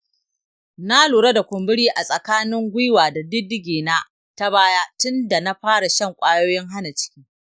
na lura da kumburi a tsakanin gwiwa da diddige na ta baya tunda na fara shan kwayoyin hana ciki.